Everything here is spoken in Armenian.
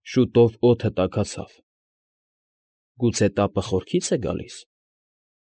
Շուտով օդը տաքացավ։ «Գուցե տապը խորքի՞ց է գալիս։